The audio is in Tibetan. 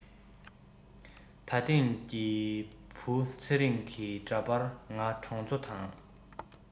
ད ཐེངས ཀྱི བུ ཚེ རིང གི འདྲ པར ང གྲོང ཚོ དང